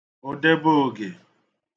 òdeboògè